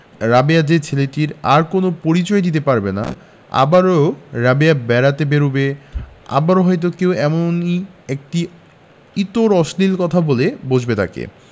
রাবেয়া সেই ছেলেটির আর কোন পরিচয়ই দিতে পারবে না আবারও রাবেয়া বেড়াতে বেরুবে আবারো হয়তো কেউ এমনি একটি ইতর অশ্লীল কথা বলে বসবে তাকে